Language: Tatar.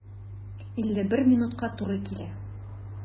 51 минутка туры килә.